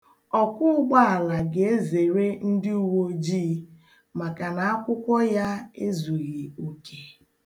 Ọkwọ ụgbọala ga-ezere ndị uweojii maka na akwụkwọ ya ezughị oke.